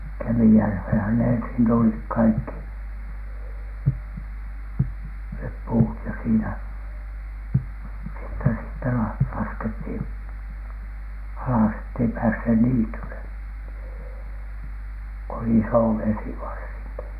Kemijärveenhän ne ensin tuli kaikki ne puut ja siinä sitten siitä - laskettiin alas että ei päässeet niitylle kun oli isovesi varsinkin